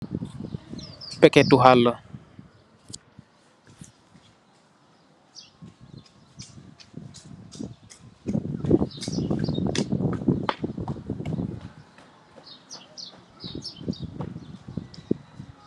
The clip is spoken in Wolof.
Peketu haal.